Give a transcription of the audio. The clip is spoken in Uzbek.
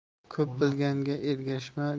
ko'p bilganga ergashma